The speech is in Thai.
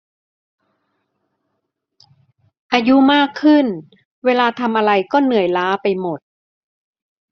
อายุมากขึ้นเวลาทำอะไรก็เหนื่อยล้าไปหมด